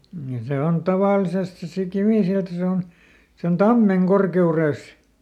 ja se on tavallisesti se - kivisilta se on se on tammen korkeudessa